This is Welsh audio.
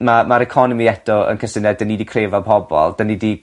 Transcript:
Ma' ma'r economi eto yn cysyniad 'dyn ni 'di creu efo pobol, 'dan ni 'di